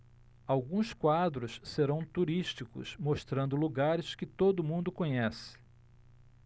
alguns quadros serão turísticos mostrando lugares que todo mundo conhece